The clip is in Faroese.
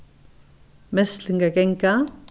meslingar ganga